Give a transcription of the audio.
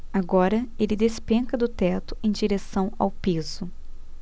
agora ele despenca do teto em direção ao piso